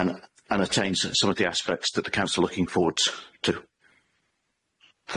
and and attains some of the aspects that the council looking forward to.